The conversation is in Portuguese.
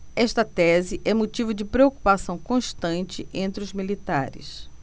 esta tese é motivo de preocupação constante entre os militares